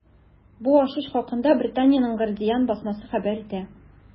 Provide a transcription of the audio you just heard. Бу ачыш хакында Британиянең “Гардиан” басмасы хәбәр итә.